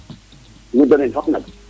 i denun fop nak